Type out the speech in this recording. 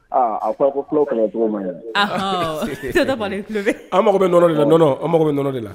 Aaa a ko an mako bɛ nɔnɔ de la an mako bɛ nɔnɔ de la